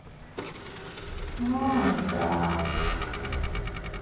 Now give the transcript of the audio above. ноу дабт